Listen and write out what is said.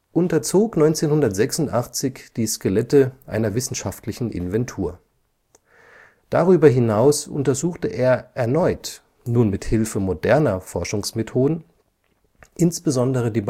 unterzog 1986 die Skelette einer wissenschaftlichen Inventur. Darüber hinaus untersuchte er erneut, nun mit Hilfe moderner Forschungsmethoden, insbesondere die